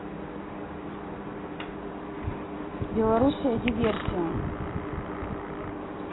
белоруссия диверсия